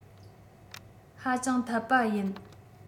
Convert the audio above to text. ཧ ཅང འཐད པ ཡིན